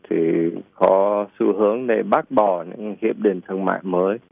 thì có xu hướng để bác bỏ hiệp định thương mại mới